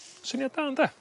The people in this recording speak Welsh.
Syniad da ynde?